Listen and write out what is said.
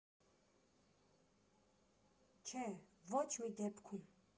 Չէ, ոչ մի դեպքում։